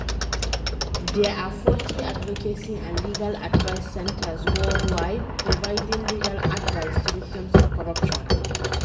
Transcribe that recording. There are now 40 Advocacy and Legal Advice Centers worldwide providing legal advice to victims of corruption.